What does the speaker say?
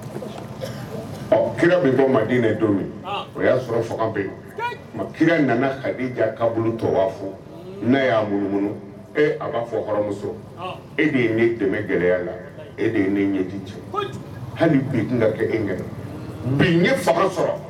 Don o'a sɔrɔ bɛ kira nana fɔ'a y'a mununuunu e a b'a fɔmuso e de ne dɛmɛ gɛlɛyaɛrɛya la e de ne ɲɛ cɛ hali bi ka kɛ e ka